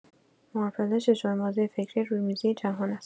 مارپله ششمین بازی فکری رومیزی جهان است.